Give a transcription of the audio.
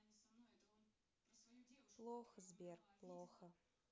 плохо сбер плохо